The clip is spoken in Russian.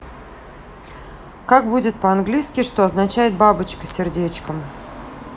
как будет по английски что означает бабочка сердечком